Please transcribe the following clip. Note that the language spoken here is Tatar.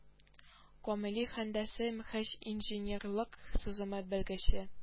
Гамәли һәндәсә һәм инженерлык сызымы белгече